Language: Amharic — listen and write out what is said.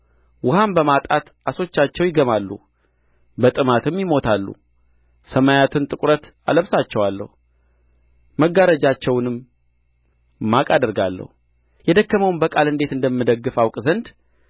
ውኃም በማጣት ዓሦቻቸው ይገማሉ በጥማትም ይሞታሉ ሰማያትን ጥቍረት አለብሳቸዋለሁ መጋረጃቸውንም ማቅ አደርጋለሁ የደከመውን በቃል እንዴት እንደምደግፍ አውቅ ዘንድ